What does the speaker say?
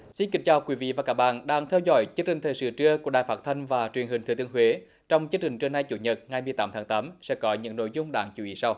xin kính chào quý vị và các bạn đang theo dõi chương trình thời sự trưa của đài phát thanh và truyền hình thừa thiên huế trong chương trình trưa nay chủ nhật ngày mười tám tháng tám sẽ có những nội dung đáng chú ý sau